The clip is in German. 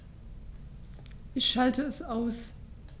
Ich schalte es aus.